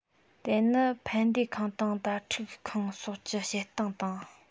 དེ ནི ཕན བདེ ཁང དང དྭ ཕྲུག ཁང སོགས ཀྱི བྱེད སྟངས དང